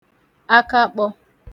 akakpọ̄